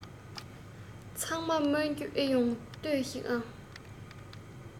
ཚང མས སྨོན རྒྱུ ཨེ ཡོང ལྟོས ཤིག ཨང